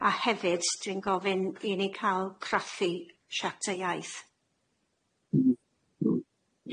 A hefyd dwi'n gofyn i ni ga'l craffu siarter iaith.